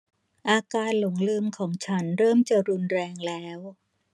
อาการหลงลืมของฉันเริ่มจะรุนแรงแล้ว